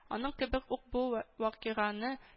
Аның кебек ук бу вакиганы